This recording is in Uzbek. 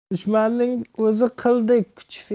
dushmanning o'zi qildek kuchi fildek